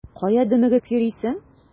Кая дөмегеп йөрисең?